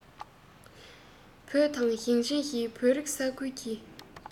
ཆུ ཚད རྒྱུན ཆད མེད པར མཐོ རུ གཏོང བ དང